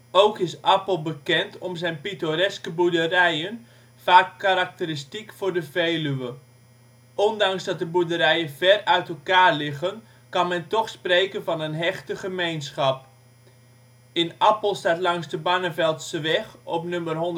Ook is Appel bekend om zijn pittoreske boerderijen, vaak karakteristiek voor de Veluwe. Ondanks dat de boerderijen ver uit elkaar staan, kan men toch spreken van een hechte gemeenschap. In Appel staat langs de Barneveldseweg op nummer 178 de